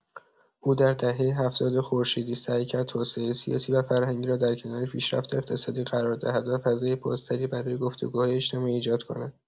او در دهه ۷۰ خورشیدی سعی کرد توسعه سیاسی و فرهنگی را در کنار پیشرفت اقتصادی قرار دهد و فضای بازتری برای گفت‌وگوهای اجتماعی ایجاد کند.